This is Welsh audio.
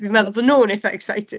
Dwi'n meddwl bod nhw'n eitha excited!